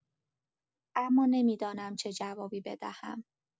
اما نمی‌دانم چه جوابی بدهم.